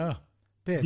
O, peth?